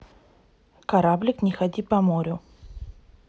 кораблик не ходи по морю